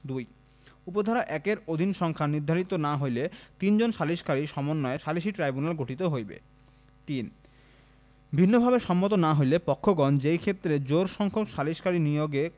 ২ উপ ধারা ১ এর অধীন সংখ্যা নির্ধারিত না হইলে তিনজন সালিসকারী সমন্বয়ে সালিসী ট্রাইব্যুনাল গঠিত হইবে ৩ ভিন্নভাবে সম্মত না হইলে পক্ষগণ যেইক্ষেত্রে জোড়সংখ্যক সালিসকারী নিয়োগে